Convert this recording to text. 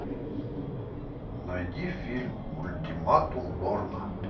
найди фильм ультиматум борна